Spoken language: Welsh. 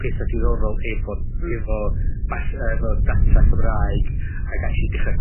petha diddorol efo efo bas- efo data Cymraeg, ag actually dechra